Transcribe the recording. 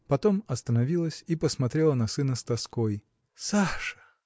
потом остановилась и посмотрела на сына с тоской. – Саша!.